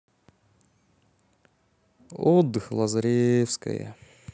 отдых лазаревская